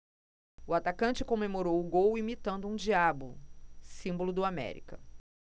o atacante comemorou o gol imitando um diabo símbolo do américa